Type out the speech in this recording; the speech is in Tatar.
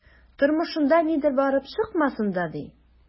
Тормышында нидер барып чыкмасын да, ди...